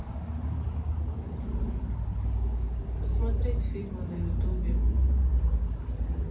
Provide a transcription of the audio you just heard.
посмотреть фильмы на ютубе